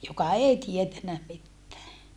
joka ei tiennyt mitään